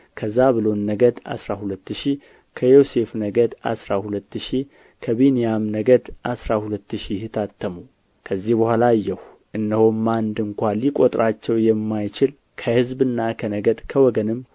ከዛብሎን ነገድ አሥራ ሁለት ሺህ ከዮሴፍ ነገድ አሥራ ሁለት ሺህ ከብንያም ነገድ አሥራ ሁለት ሺህ ታተሙ ከዚህ በኋላ አየሁ እነሆም አንድ እንኳ ሊቆጥራቸው የማይችል ከሕዝብና ከነገድ ከወገንም